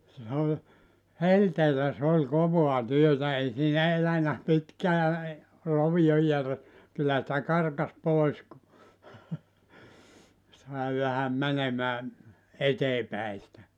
se oli helteellä se oli kovaa työtä ei siinä elänyt pitkään rovio - kyllä sitä karkasi pois kun sai vähän menemään eteen päin sitä